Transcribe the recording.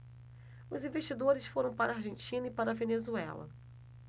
os investidores foram para a argentina e para a venezuela